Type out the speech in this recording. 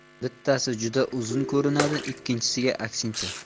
bittasi juda uzun ko'rinadi ikkinchisiga aksincha